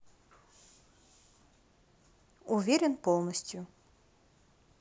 уверен полностью